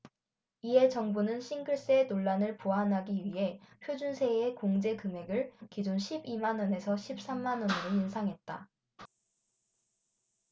이에 정부는 싱글세 논란을 보완하기 위해 표준세액 공제금액을 기존 십 이 만원에서 십 삼 만원으로 인상했다